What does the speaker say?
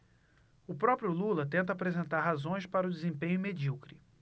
o próprio lula tenta apresentar razões para o desempenho medíocre